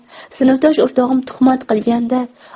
sinfdosh o'rtog'im tuhmat qilganda